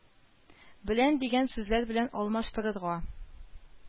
Белән дигән сүзләр белән алмаштырырга